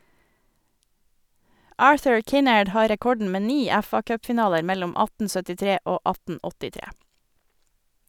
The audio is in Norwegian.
Arthur Kinnaird har rekorden med ni FA-cupfinaler mellom 1873 og 1883.